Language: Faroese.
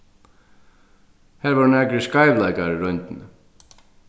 har vóru nakrir skeivleikar í royndini